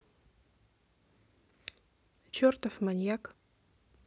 чертов маньяк